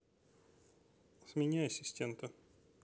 смени ассистента